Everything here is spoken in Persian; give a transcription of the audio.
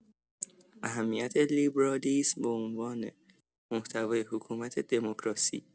اهمیت لیبرالیسم به عنوان محتوای حکومت دموکراسی